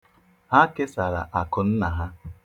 Ha kesara akụ nna ha.